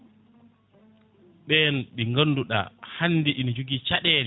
ɓen ɓe ganduɗa hande ina jogui caɗele